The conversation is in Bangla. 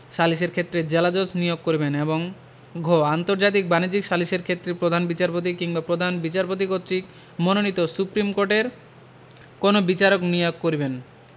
সালিসের ক্ষেত্রে জেলাজজ নিয়োগ করিবেন এবং ঘ আন্তর্জাতিক বাণিজ্যিক সালিসের ক্ষেত্রে প্রধান বিচারপতি কিংবা প্রধান বিচারপতি কর্তৃক মনোনীত সুপ্রীম কোর্টের কোন বিচারক নিয়োগ করিবেন